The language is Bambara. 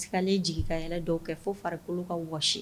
Tikale jigi ka yɛlɛ dɔw kɛ fo farikolo ka wɔsi